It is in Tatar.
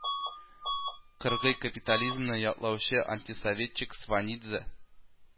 Кыргый капитализмны яклаучы антисоветчик Сванидзе